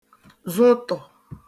zụtọ̀